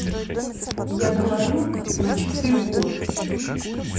я говорю значит ты бот